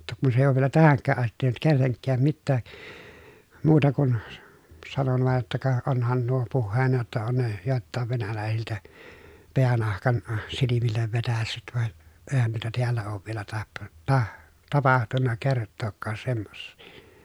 jotta kun se ei ole vielä tähänkään asti tehnyt kenellekään mitään muuta kuin - sanoin vain jotta ka onhan nuo puheena jotta on ne joiltakin venäläisiltä päänahan silmille vetäissyt vaan eihän noita täällä ole vielä -- tapahtunut kertaakaan semmoisia